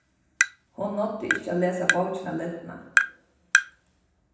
hon náddi ikki at lesa bókina lidna